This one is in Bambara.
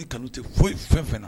Kanu tɛ foyi ye fɛn fana na